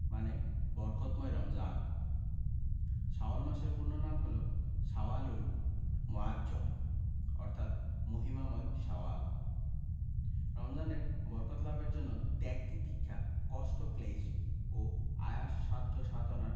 মানে বরকতময় রমজান শাওয়াল মাসের পূর্ণ নাম হলো শাওয়ালুল মুআজ্জম অর্থাৎ মহিমাময় শাওয়াল রমজানের বরকত লাভের জন্য ত্যাগ তিতিক্ষা কষ্টক্লেশ ও আয়াস সাধ্য সাধনার